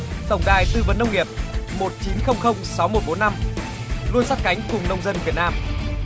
tổng đài tư vấn nông nghiệp một chín không không sáu một bốn năm luôn sát cánh cùng nông dân việt nam